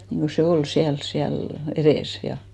niin kuin se oli siellä siellä edessä ja